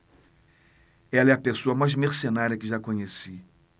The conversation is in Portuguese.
ela é a pessoa mais mercenária que já conheci